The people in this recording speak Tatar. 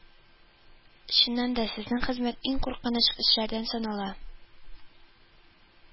Чыннан да, сезнең хезмәт иң куркыныч эшләрдән санала